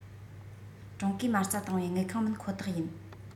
ཀྲུང གོས མ རྩ བཏང བའི དངུལ ཁང མིན ཁོ ཐག ཡིན